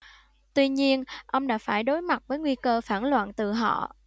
tuy nhiên ông đã phải đối mặt với nguy cơ phản loạn từ họ